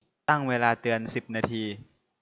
ตั้งเวลาเตือนสิบนาที